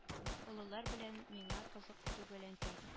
Олылар белән миңа кызык түгел әнкәй